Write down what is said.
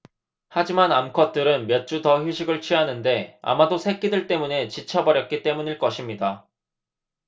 하지만 암컷들은 몇 주 더 휴식을 취하는데 아마도 새끼들 때문에 지쳐 버렸기 때문일 것입니다